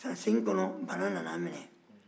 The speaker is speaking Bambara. san seegin kɔnɔ bana nana n minɛ